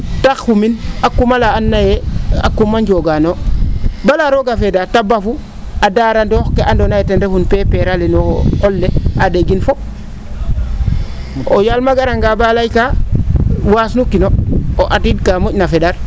te xumin a kuma laa andoona yee a quma jogaan noo balaa roog a feedaa te bafu a dalanoox ke andoona yee ten refu peper ale no qol le a ?egin fop o yaal ma garanga ba lay kaa waasnukino o atiid kaa mo?na fe?ar